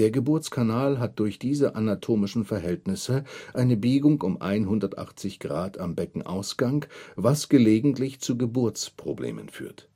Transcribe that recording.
Geburtskanal hat durch diese anatomischen Verhältnisse eine Biegung um 180° am Beckenausgang, was gelegentlich zu Geburtsproblemen führt